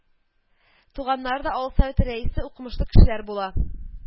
Туганнары да авыл советы рәисе, укымышлы кешеләр була